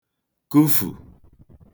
kufù